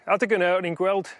adeg ynna o'n i'n gweld